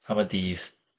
am y dydd.